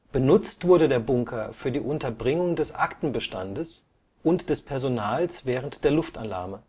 Benutzt wurde der Bunker für die Unterbringung des Aktenbestands und des Personals während der Luftalarme